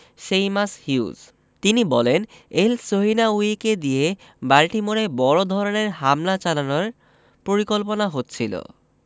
Seamus Hughes তিনি বলেন এলসহিনাউয়িকে দিয়ে বাল্টিমোরে বড় ধরনের হামলা চালানোর পরিকল্পনা হচ্ছিল